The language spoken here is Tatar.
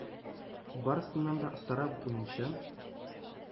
Барысыннан да остарак уенчы,